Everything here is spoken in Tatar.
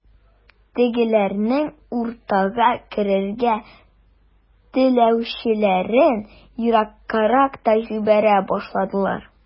Тегеләрнең уртага керергә теләүчеләрен ераккарак та җибәрә башладылар.